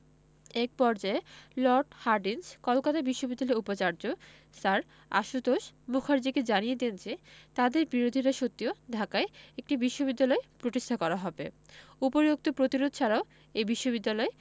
এক পর্যায়ে Lord Hardinge Kolkata বিশ্ববিদ্যালয়ের উপাচার্য স্যার আশুতোষ মুখার্জীকে জানিয়ে দেন যে তাঁদের বিরোধিতা সত্ত্বেও ঢাকায় একটি বিশ্ববিদ্যালয় প্রতিষ্ঠা করা হবে উপরিউক্ত প্রতিরোধ ছাড়াও এ বিশ্ববিদ্যালয়